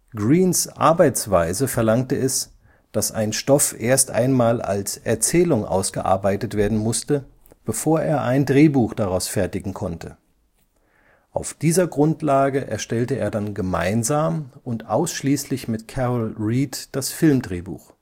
Greenes Arbeitsweise verlangte es, dass ein Stoff erst einmal als Erzählung ausgearbeitet werden musste, bevor er ein Drehbuch daraus fertigen konnte. Auf dieser Grundlage erstellte er dann gemeinsam und ausschließlich mit Carol Reed das Filmdrehbuch